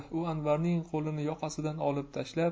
u anvarning qo'lini yoqasidan olib tashlab